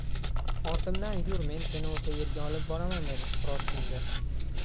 ortimdan yur men seni o'sha yerga olib boraman dedi suqrot shunda